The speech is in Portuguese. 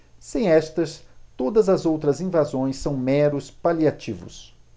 sem estas todas as outras invasões são meros paliativos